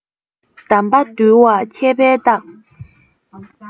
དམ པ དུལ བ མཁས པའི རྟགས